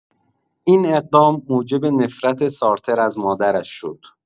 این اقدام موجب نفرت سارتر از مادرش شد.